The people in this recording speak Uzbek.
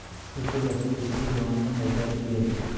shu so'z asadbekka jonini qaytarib berdi